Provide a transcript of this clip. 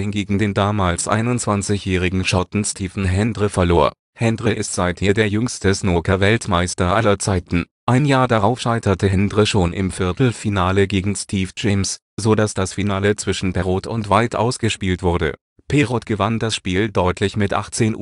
gegen den damals 21-jährigen Schotten Stephen Hendry verlor. Hendry ist seither der jüngste Snookerweltmeister aller Zeiten. Ein Jahr darauf scheiterte Hendry schon im Viertelfinale gegen Steve James, sodass das Finale zwischen Parrott und White ausgespielt wurde. Parrott gewann das Spiel deutlich mit 18:11